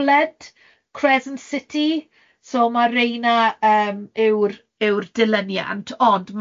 Blood, Crescent City, so ma' rei yna yym yw'r yw'r dilyniant, ond